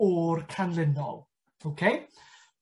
or canlynol. Oce?